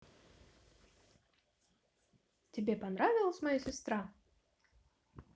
тебе понравилась моя сестра